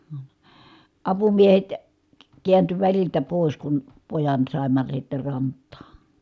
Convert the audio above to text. - apumiehet - kääntyi väliltä pois kun pojan saimme sitten rantaan